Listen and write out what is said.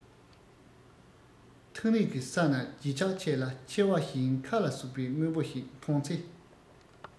ཐག རིང གི ས ན བརྗིད ཉམས ཆེ ལ མཆེ བ བཞིན མཁའ ལ ཟུག བའི དངོས པོ ཞིག མཐོང ཚེ